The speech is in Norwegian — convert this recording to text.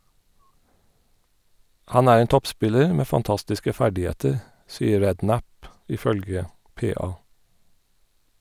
Han er en toppspiller med fantastiske ferdigheter, sier Redknapp, ifølge PA.